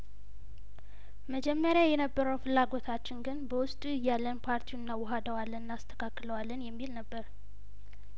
መጀመሪያ የነበረው ፍላጐታችን ግን በውስጡ እያለን ፓርቲውን እናዋህደዋለን እናስተካክለዋለን የሚል ነበር